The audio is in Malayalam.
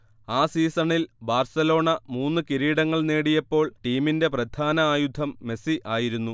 ആ സീസണിൽ ബാർസലോണ മൂന്ന് കിരീടങ്ങൾ നേടിയപ്പോൾ ടീമിന്റെ പ്രധാന ആയുധം മെസ്സി ആയിരുന്നു